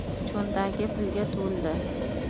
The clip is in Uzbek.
cho'ntagi pulga to'ldi